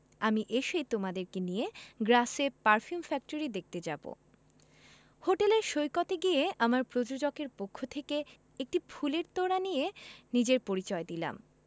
আমি এসেই তোমাদের নিয়ে গ্রাসে পারফিউম ফ্যাক্টরি দেখতে যাবো হোটেলের সৈকতে গিয়ে আমার প্রযোজকের পক্ষ থেকে একটি ফুলের তোড়া দিয়ে নিজের পরিচয় দিলাম